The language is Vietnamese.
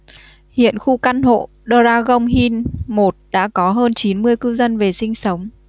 hiện khu căn hộ dragon hill một đã có hơn chín mươi cư dân về sinh sống